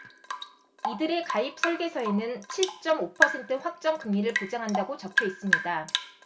이들의 가입설계서에는 칠 쩜 오 퍼센트 확정 금리를 보장한다고 적혀있습니다